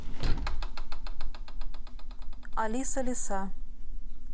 алиса лиса